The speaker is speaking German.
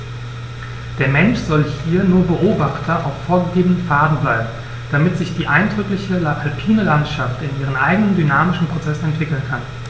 Der Mensch soll hier nur Beobachter auf vorgegebenen Pfaden bleiben, damit sich die eindrückliche alpine Landschaft in ihren eigenen dynamischen Prozessen entwickeln kann.